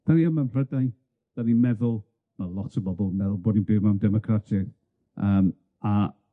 Dan ni ddim yn Prydain, dan ni'n meddwl, ma' lot o bobol yn meddwl bod ni'n byw mewn democratiaeth, yym a